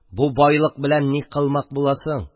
Бу «байлык» белән ни кылмак буласың?